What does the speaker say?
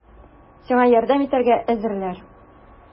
Сиңа ярдәм итәргә әзерләр!